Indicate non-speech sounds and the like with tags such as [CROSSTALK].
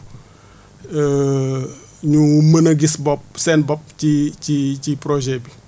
[HESITATION] ñu mën a gis bopp seen bopp ci ci ci projet bi